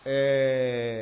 Un